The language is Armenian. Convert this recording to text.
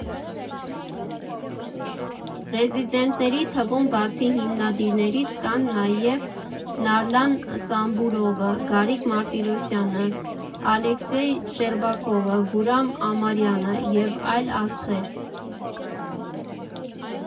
Ռեզիդենտների թվում բացի հիմնադիրներից կան նաև Նուրլան Սաբուրովը, Գարիկ Մարտիրոսյանը, Ալեքսեյ Շչերբակովը, Գուրամ Ամարյանը և այլ աստղեր։